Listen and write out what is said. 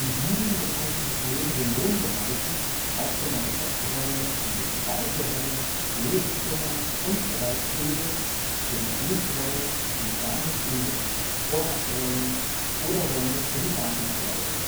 diesen befanden sich neben den Wohnbereichen auch Gemeinschaftsräume wie Speiseräume, Lesezimmer und Schreibstube sowie Diensträume wie Samenstube, Vorratsräume oder Räume für die Gartenverwaltung